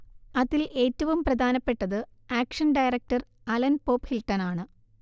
അതിൽ ഏറ്റവും പ്രധാനപ്പെട്ടത് ആക്ഷൻ ഡയറക്ടർ അലൻ പോപ്ഹിൽട്ടണാണ്